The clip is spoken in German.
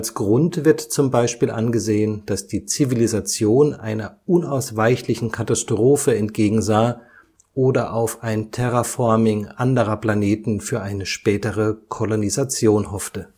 Grund wird zum Beispiel angesehen, dass die Zivilisation einer unausweichlichen Katastrophe entgegensah, oder auf ein Terraforming anderer Planeten für eine spätere Kolonisation hoffte